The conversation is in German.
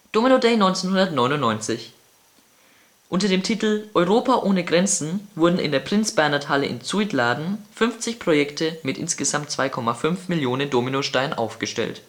Domino Day 1999 Unter dem Titel „ Europa ohne Grenzen “wurden in der Prins-Bernhard-Halle in Zuidlaren 50 Projekte mit insgesamt 2,5 Millionen Dominosteinen aufgestellt